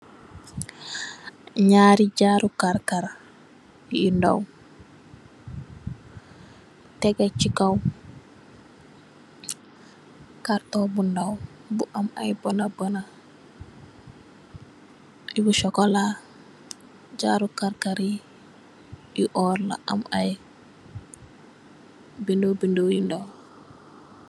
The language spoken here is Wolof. Njaari jaarou karr karr yu ndaw, tehgeh chi kaw, karton bu ndaw bu am aiiy bonah bonah, bu chocolat, jaarou karr karr yii yu orrla am aiiy bindoh bindoh yu ndoh.